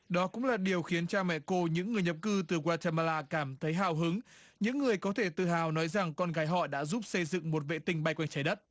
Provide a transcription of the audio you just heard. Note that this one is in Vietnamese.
đó cũng là điều khiến cha mẹ cô những người nhập cư từ goe tơ me la cảm thấy hào hứng những người có thể tự hào nói rằng con gái họ đã giúp xây dựng một vệ tinh bay quanh trái đất